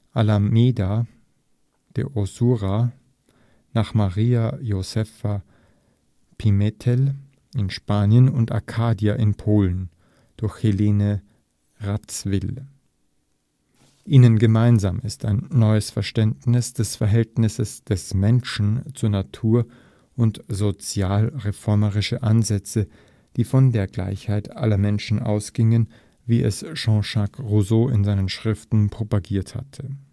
Alameda de Osuna (durch Maria Josefa Pimentel) in Spanien und Arkadia in Polen (durch Helene Radziwiłł). Ihnen gemeinsam ist ein neues Verständnis des Verhältnisses des Menschen zur Natur und sozialreformerische Ansätze, die von der Gleichheit aller Menschen ausgingen, wie es Jean-Jacques Rousseau in seinen Schriften propagiert hatte